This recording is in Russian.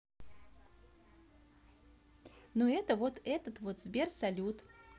ну это вот этот вот сбер салют